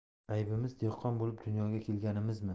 aybimiz dehqon bo'lib dunyoga kelganimizmi